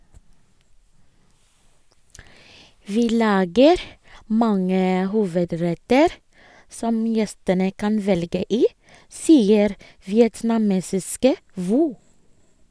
- Vi lager mange hovedretter, som gjestene kan velge i, sier vietnamesiske Vo.